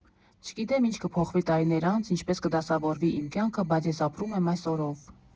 Չգիտեմ՝ ինչ կփոխվի տարիներ անց, ինչպես կդասավորվի իմ կյանքը, բայց ես ապրում եմ այս օրով։